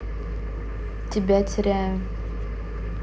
тебя теряю